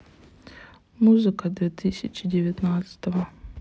музыка две тысячи девятнадцатого